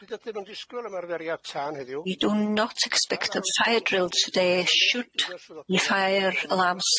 Nid ydym yn disgwyl ymarferiad tân heddiw. We do not expect a fire drill today should a fire alarm sound.